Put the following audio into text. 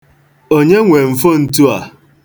Onye nwe mfontu a?